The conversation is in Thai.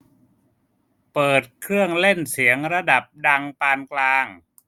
เปิดเครื่องเล่นเสียงระดับดังปานกลาง